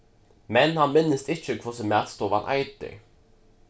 men hann minnist ikki hvussu matstovan eitur